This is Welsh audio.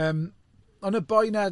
Yym ond y boi 'na,